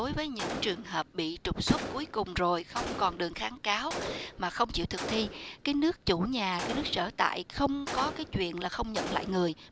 đối với những trường hợp bị trục xuất cuối cùng rồi không còn đường kháng cáo mà không chịu thực thi thì cái nước chủ nhà cái nước sở tại không có cái chuyện là không nhận lại người